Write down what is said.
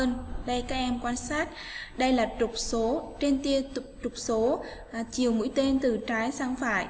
vk em quan sát đây là trục số trên tia cực trục số chiều mũi tên từ trái sang phải